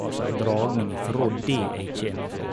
Altså ei dragning ifra det jeg kjeme fra.